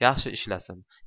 yaxshi ishlasin